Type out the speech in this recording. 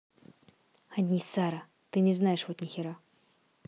одни сара ты не знаешь вот нихера